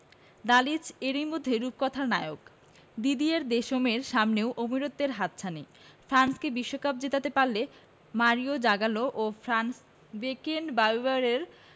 Dalic এরই মধ্যে রূপকথার নায়ক দিদিয়ের দেশমের সামনেও অমরত্বের হাতছানি ফ্রান্সকে বিশ্বকাপ জেতাতে পারলে মারিও জাগালো ও ফ্রাঞ্জ বেকেনবাওয়ারের